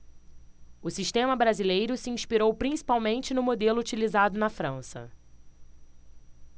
o sistema brasileiro se inspirou principalmente no modelo utilizado na frança